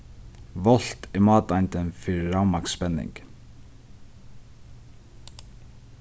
volt er máteindin fyri ravmagnsspenning